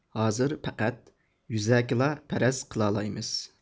ھازىر پەقەت يۈزەكىلا پەرەز قىلالايمىز